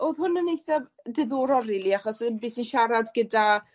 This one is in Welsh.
odd hwn yn eithaf diddorol rili achos odd e'n bues in siarad gyda